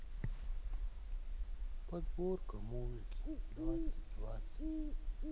подборка музыки двадцать двадцать